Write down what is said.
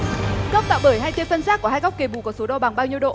góc tạo bởi hai tia phân giác của hai góc kề bù có số đo bằng bao nhiêu độ